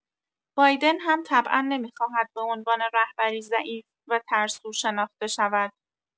بایدن هم طبعا نمی‌خواهد به عنوان رهبری ضعیف و ترسو شناخته شود.